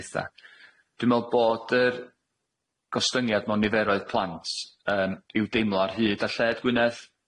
betha. Dwi me'wl bod yr gostyngiad mewn niferoedd plant yym i'w deimlo ar hyd a lled Gwynedd